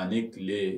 Ani tile